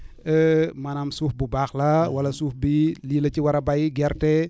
maanaam suuf bu baax la wala suuf bi lii la ci war a béy gerte